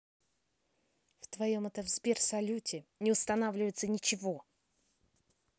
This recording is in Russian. в твоем этом сбер салюте не устанавливается ничего